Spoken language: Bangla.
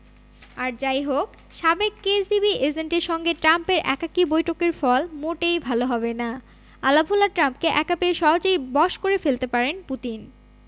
আর যা ই হোক সাবেক কেজিবি এজেন্টের সঙ্গে ট্রাম্পের একাকী বৈঠকের ফল মোটেই ভালো হবে না আলাভোলা ট্রাম্পকে একা পেয়ে সহজেই বশ করে ফেলতে পারেন পুতিন